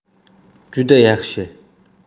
juda yaxshi